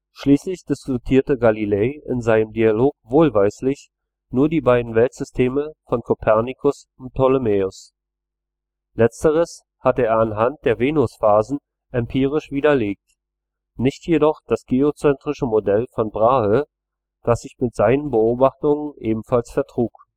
Schließlich diskutierte Galilei in seinem Dialog wohlweislich nur die beiden Weltsysteme von Copernicus und Ptolemaios, Letzteres hatte er anhand der Venusphasen empirisch widerlegt, nicht jedoch das geozentrische Modell von Brahe, das sich mit seinen Beobachtungen ebenfalls vertrug